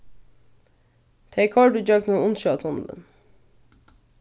tey koyrdu ígjøgnum undirsjóvartunnilin